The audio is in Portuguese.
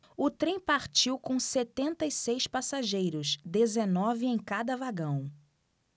o trem partiu com setenta e seis passageiros dezenove em cada vagão